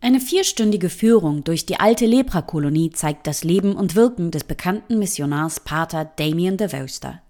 Eine vierstündige Führung durch die alte Leprakolonie zeigt das Leben und Wirken des bekannten Missionars Pater Damian de Veuster.